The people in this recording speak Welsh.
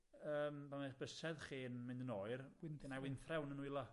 Yym, pan ma'ch bysedd chi'n mynd yn oer, gynnai wynthrew yn 'yn nwylo.